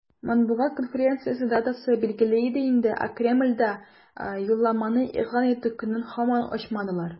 Матбугат конференциясе датасы билгеле иде инде, ә Кремльдә юлламаны игълан итү көнен һаман ачмадылар.